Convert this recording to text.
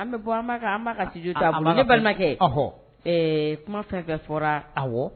An bɛ bɔ an an balimakɛɔ kuma fɛn ka fɔra a wa